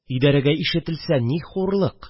Идәрәгә ишетелсә ни хурлык